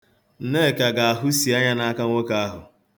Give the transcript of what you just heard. Nneka ga-ahụsi anya n'aka nwoke ahụ.